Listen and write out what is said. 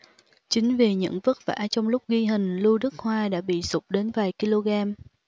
chính vì những vất vả trong lúc ghi hình lưu đức hoa đã bị sụt đến vài kg